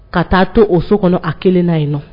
Ka taa to o so kɔnɔ a kelen na yen nɔ.